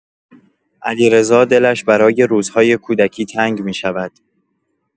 علیرضا دلش برای روزهای کودکی تنگ می‌شود.